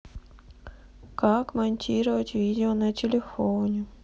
как монтировать видео на телефоне